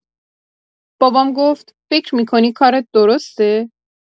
بابام گفت: «فکر می‌کنی کارت درسته؟»